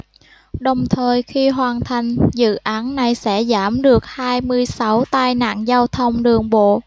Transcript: đồng thời khi hoàn thành dự án này sẽ giảm được hai mươi sáu tai nạn giao thông đường bộ